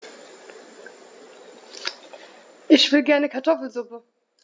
Ich will gerne Kartoffelsuppe.